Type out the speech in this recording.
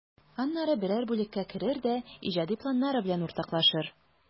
Аннары берәр бүлеккә керер дә иҗади планнары белән уртаклашыр.